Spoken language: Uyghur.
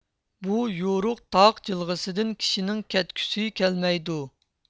بۇ يورۇق تاغ جىلغىسىدىن كىشىنىڭ كەتكۈسى كەلمەيدۇ